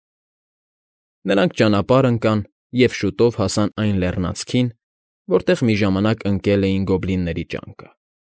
Նրանք ճանապարհ ընկան և շուտով հասան այն լեռնանցքին, որտեղ մի ժամանակ ընկել էին գոբլինների ճանկը։